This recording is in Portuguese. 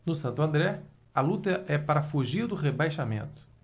no santo andré a luta é para fugir do rebaixamento